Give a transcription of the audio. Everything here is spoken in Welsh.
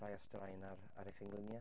Llai o straen ar ar ei phengliniau.